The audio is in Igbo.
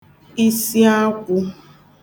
isiakwụ̄